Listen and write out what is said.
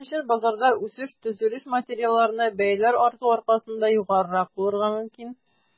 Беренчел базарда үсеш төзелеш материалларына бәяләр арту аркасында югарырак булырга мөмкин.